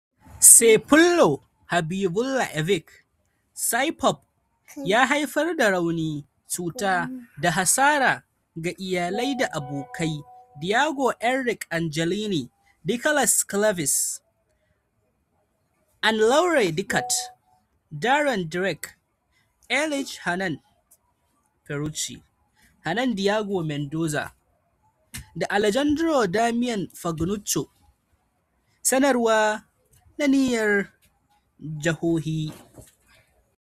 "Sayfullo Habibullaevic Saipov ya haifar da rauni, cuta, da hasara ga iyalai da abokai Diego Enrique Angelini, Nicholas Cleves, Ann-Laure Decadt, Darren Drake, Ariel Erlij, Hernan Ferruchi, Hernan Diego Mendoza, da Alejandro Damian Pagnucco," sanarwa na niyyar jihohi.